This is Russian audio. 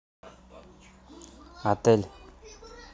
ател